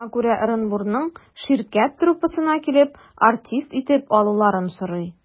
Шуңа күрә Ырынбурның «Ширкәт» труппасына килеп, артист итеп алуларын сорый.